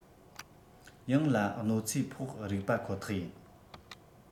ཡང ལ གནོད འཚེ ཕོག རིགས པ ཁོ ཐག ཡིན